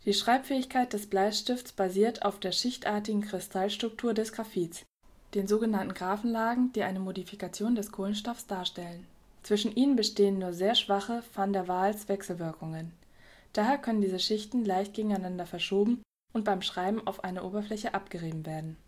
Schreibfähigkeit des Bleistifts basiert auf der schichtartigen Kristallstruktur des Graphits, den sogenannten Graphen-Lagen, die eine Modifikation des Kohlenstoffs darstellen. Zwischen ihnen bestehen nur sehr schwache Van-der-Waals-Wechselwirkungen. Daher können diese Schichten leicht gegeneinander verschoben und beim Schreiben auf eine Oberfläche abgerieben werden